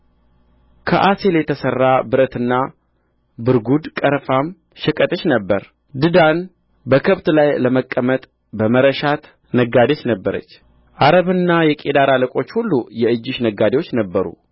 ከኦሴል የተሠራ ብረትና ብርጕድ ቀረፋም ሸቀጥሽ ነበረ ድዳን በከብት ላይ ለመቀመጥ በመረሻት ነጋዴሽ ነበረች ዓረብና የቄዳር አለቆች ሁሉ የእጅሽ ነጋዴዎች ነበሩ